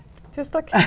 tusen takk.